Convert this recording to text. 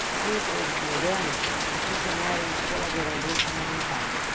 em empresas modernas o funcionário é um colaborador fundamental